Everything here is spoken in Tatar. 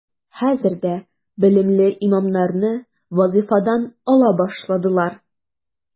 Хәзер дә белемле имамнарны вазифадан ала башладылар.